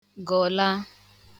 gọ̀la